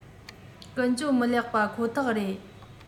ཀུན སྤྱོད མི ལེགས པ ཁོ ཐག རེད